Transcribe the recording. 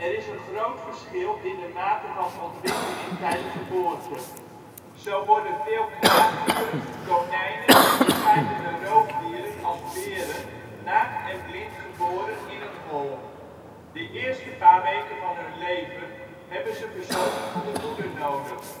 is een groot verschil in de mate van ontwikkeling bij de geboorte. Zo worden veel knaagdieren, konijnen en verscheidene roofdieren als beren naakt en blind geboren in een hol. De eerste paar weken van hun leven hebben ze verzorging van de moeder nodig